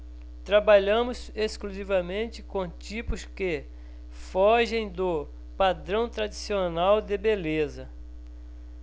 trabalhamos exclusivamente com tipos que fogem do padrão tradicional de beleza